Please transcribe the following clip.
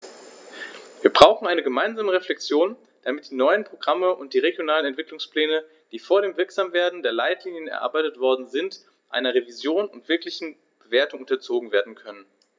Wir brauchen eine gemeinsame Reflexion, damit die neuen Programme und die regionalen Entwicklungspläne, die vor dem Wirksamwerden der Leitlinien erarbeitet worden sind, einer Revision und wirklichen Bewertung unterzogen werden können.